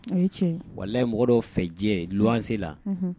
Wala mɔgɔ dɔ fɛ diɲɛ wanse la